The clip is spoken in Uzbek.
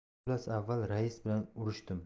xullas avval rais bilan urishdim